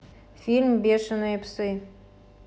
фильм бешеные псы